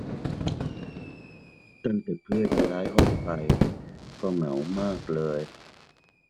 ตั้งแต่เพื่อนย้ายห้องไปก็เหงามากเลย